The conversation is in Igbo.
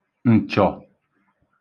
ǹchọ̀